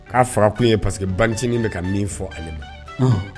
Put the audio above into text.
Ka faka kun ye parceque ba non cinin bɛ ka min fɔ ale ma.